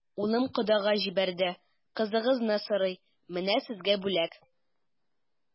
Улым кодага җибәрде, кызыгызны сорый, менә сезгә бүләк.